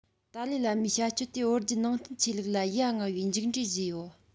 ཏཱ ལའི བླ མའི བྱ སྤྱོད དེས བོད བརྒྱུད ནང བསྟན ཆོས ལུགས ལ ཡ ང བའི མཇུག འབྲས བཟོས ཡོད